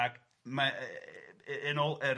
Ac mae yy yy yn ôl yr